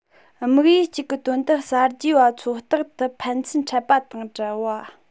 དམིགས ཡུལ གཅིག གི དོན དུ གསར བརྗེ པ ཚོ རྟག ཏུ ཕན ཚུན འཕྲད པ དང བྲལ བ